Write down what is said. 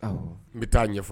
Awɔ, n bɛ taa ɲɛfɔ